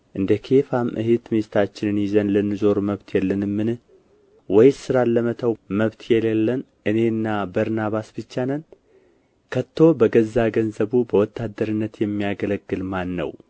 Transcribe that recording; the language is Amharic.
እንደ ኬፋም እኅት ሚስታችንን ይዘን ልንዞር መብት የለንምን ወይስ ሥራን ለመተው መብት የሌለን እኔና በርናባስ ብቻ ነን ከቶ በገዛ ገንዘቡ በወታደርነት የሚያገለግል ማን ነው